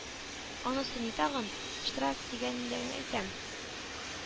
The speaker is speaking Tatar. Анысы ни тагын?.. Штраф дигәнеңне әйтәм.